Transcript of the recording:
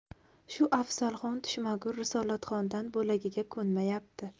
shu afzalxon tushmagur risolatxondan bo'lagiga ko'nmayapti